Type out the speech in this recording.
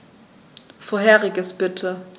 Vorheriges bitte.